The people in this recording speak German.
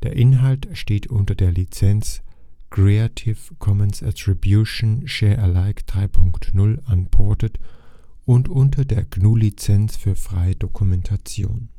Inhalt steht unter der Lizenz Creative Commons Attribution Share Alike 3 Punkt 0 Unported und unter der GNU Lizenz für freie Dokumentation